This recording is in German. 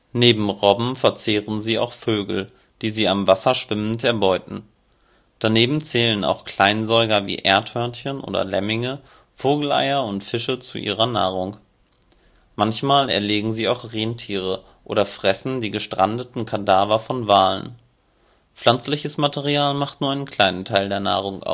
Neben Robben verzehren sie auch Vögel, die sie am Wasser schwimmend erbeuten. Daneben zählen auch Kleinsäuger wie Erdhörnchen und Lemminge, Vogeleier und Fische zu ihrer Nahrung. Manchmal erlegen sie auch Rentiere oder fressen die gestrandeten Kadavern von Walen. Pflanzliches Material macht nur einen kleinen Teil der Nahrung aus